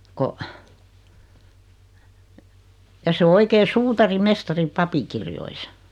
kun ja se on oikein suutarimestari papinkirjoissa